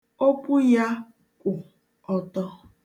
Okwu ya kwụ ọtọ.